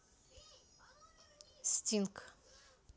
sting